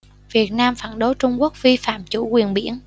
việt nam phản đối trung quốc vi phạm chủ quyền biển